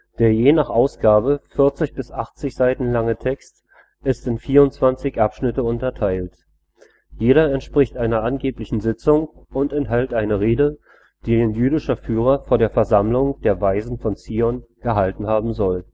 Der je nach Ausgabe 40 bis 80 Seiten lange Text ist in 24 Abschnitte unterteilt. Jeder entspricht einer angeblichen Sitzung und enthält eine Rede, die ein jüdischer Führer vor der Versammlung der „ Weisen von Zion “gehalten haben soll